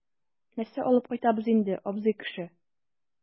Нәрсә алып кайтабыз инде, абзый кеше?